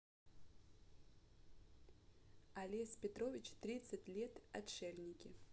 олесь петрович тридцать лет отшельники